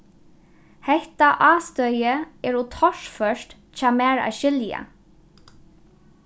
hetta ástøðið er ov torført hjá mær at skilja